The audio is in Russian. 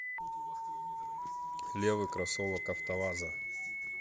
левый кроссовок автоваза